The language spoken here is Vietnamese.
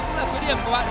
điểm của bạn